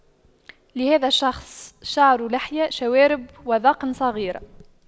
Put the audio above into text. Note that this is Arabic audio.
لهذا الشخص شعر لحية شوارب وذقن صغيرة